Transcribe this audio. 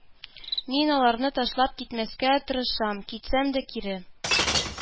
Мин аларны ташлап китмәскә тырышам, китсәм дә, кире